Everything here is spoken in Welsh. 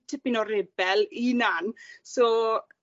tipyn o rebel 'i 'unan so